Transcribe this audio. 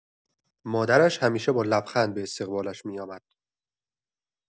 مادرش همیشه با لبخند به استقبالش می‌آمد.